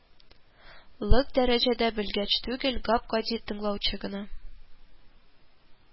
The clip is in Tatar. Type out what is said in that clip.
Лык дәрәҗәдә белгеч түгел, гап-гади тыңлаучы гына